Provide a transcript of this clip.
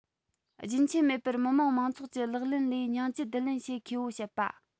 རྒྱུན ཆད མེད པར མི དམངས མང ཚོགས ཀྱི ལག ལེན ལས ཉིང བཅུད བསྡུ ལེན བྱེད མཁས པོ བྱེད པ